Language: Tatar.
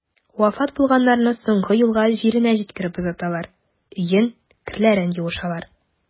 Вафат булганнарны соңгы юлга җиренә җиткереп озаталар, өен, керләрен юышалар.